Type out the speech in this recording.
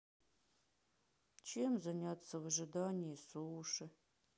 чем заняться в ожидании суши